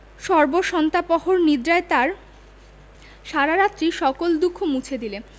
সর্বসন্তাপহর নিদ্রায় তাঁর সারারাত্রির সকল দুঃখ মুছে দিলে